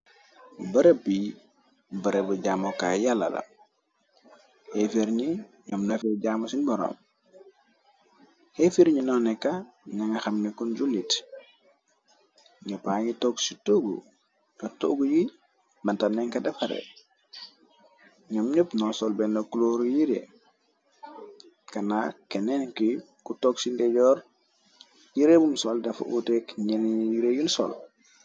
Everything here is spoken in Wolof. Bërëb yi bërëb jaamokaay yalala xefer ni ñoom nafee jaamo cin boroom xefer ñi noo nekka ñanga xam neku njul nit ñoppa ngi toog ci toogu tax toogu yi bantax nenka defare ñoom ñepp noo sol benn clóoru yire kana kenneen ki ku tog ci ndeyoor yireebum sol dafa otek ñene yire yun sol.